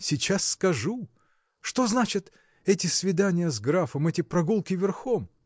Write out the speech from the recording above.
сейчас скажу: что значат эти свидания с графом, эти прогулки верхом?